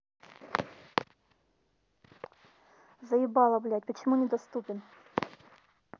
заебала блядь почему недоступен